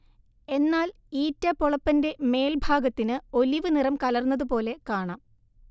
എന്നാൽ ഈറ്റ പൊളപ്പന്റെ മേൽഭാഗത്തിന് ഒലിവ് നിറം കലർന്നതുപോലെ കാണാം